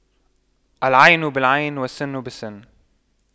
العين بالعين والسن بالسن